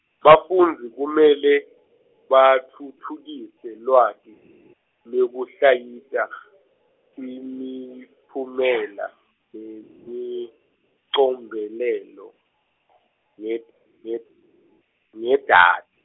bafundzi kumele, batfutfukise lwati, lwekuhlayita, imiphumela, nemicombelelo , nged- nged- ngedathi-.